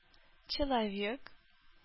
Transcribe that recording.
Человек